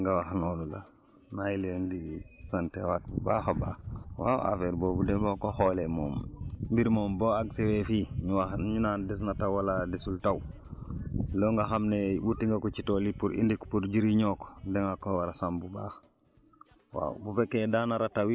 waaw Aliou li nga wax noonu la maa ngi leen di santwaat bu baax a baax waaw affaire boobu de boo ko xoolee moom mbir moom boo àgg see fii ñu wax ñu naan des na tawwala desul taw la nga xam ne wuti nga ko si tool yi pour indi ko pour jëriñoo ko danga ko war a sàmm bu baax